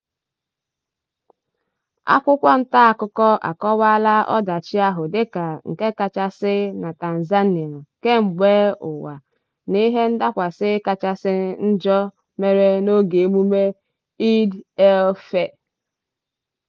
Akwụkwọ ntaakụkọ akọwalaa ọdachị ahụ dịka "nke kachasị na Tanzania kemgbe ụwa" na "ihe ndakwasị kachasị njọ mere n'oge emume Eid al-Fitr."